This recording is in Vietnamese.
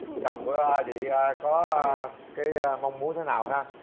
chồng của chị a có cái mong muốn thế nào ha